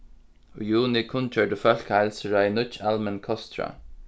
í juni kunngjørdi fólkaheilsuráðið nýggj almenn kostráð